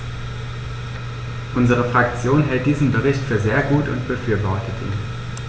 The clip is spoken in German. Unsere Fraktion hält diesen Bericht für sehr gut und befürwortet ihn.